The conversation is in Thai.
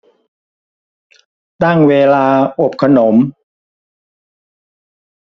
ตั้งเวลาอบขนม